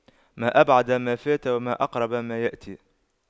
ما أبعد ما فات وما أقرب ما يأتي